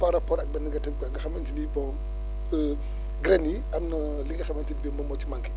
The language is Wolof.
par rapport ak beneen variété bi quoi nga xamante ni bon graines yi am na li nga xamante ni bii moom moo ci manqué